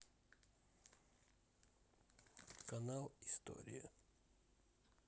канал история